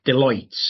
Deloit